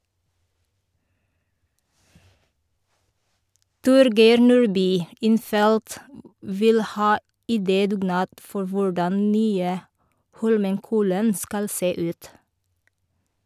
Torgeir Nordby, innfelt, vil ha idédugnad for hvordan nye Holmenkollen skal se ut.